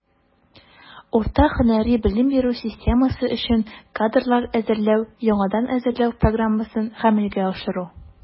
Урта һөнәри белем бирү системасы өчен кадрлар әзерләү (яңадан әзерләү) программасын гамәлгә ашыру.